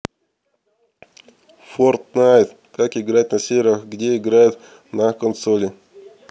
fortnite как играть на серверах где играют на консоли